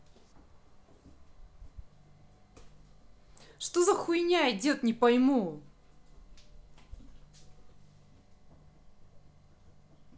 что за хуйня идет не пойму